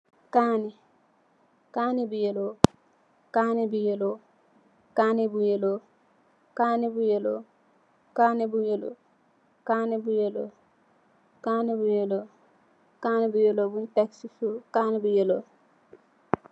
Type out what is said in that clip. Kaaneh bu yellow, bunye tek si souf.